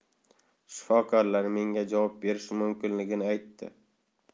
shifokorlar menga javob berish mumkinligini aytdi